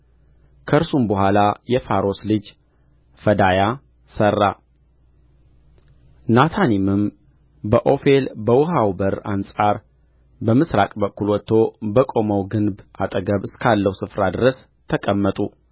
ከእርሱም በኋላ የፋሮስ ልጅ ፈዳያ ሠራ ናታኒምም በዖፌል በውኃው በር አንጻር በምሥራቅ በኩል ወጥቶ በቆመው ግንብ አጠገብ እስካለው ስፍራ ድረስ ተቀመጡ